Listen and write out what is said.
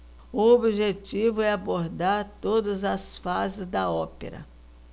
o objetivo é abordar todas as fases da ópera